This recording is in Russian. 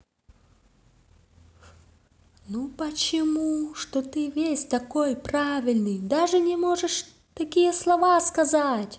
ну потому что ты весь такой правильный даже не можешь такие слова сказать